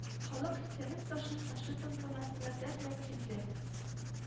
Халык истәлек ташын ачу тантанасына дәррәү килде